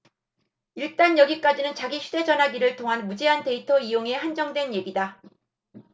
일단 여기까지는 자기 휴대전화기를 통한 무제한 데이터 이용에 한정된 얘기다